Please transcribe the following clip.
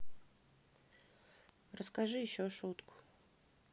расскажи еще шутку